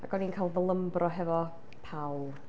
Ac o'n i'n cael fy lybro efo Hal.